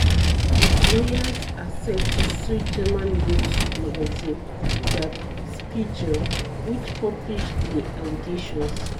His lawyers are set to sue German news magazine Der Spiegel, which published the allegations.